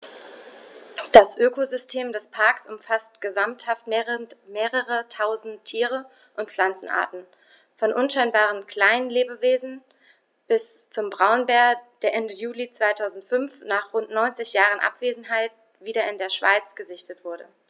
Das Ökosystem des Parks umfasst gesamthaft mehrere tausend Tier- und Pflanzenarten, von unscheinbaren Kleinstlebewesen bis zum Braunbär, der Ende Juli 2005, nach rund 90 Jahren Abwesenheit, wieder in der Schweiz gesichtet wurde.